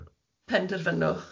Penderfynwch.